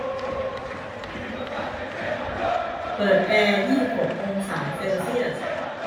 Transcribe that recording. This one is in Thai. เปิดแอร์ยี่สิบหกองศาเซลเซียส